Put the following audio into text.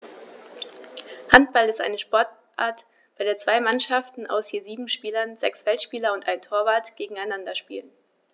Handball ist eine Sportart, bei der zwei Mannschaften aus je sieben Spielern (sechs Feldspieler und ein Torwart) gegeneinander spielen.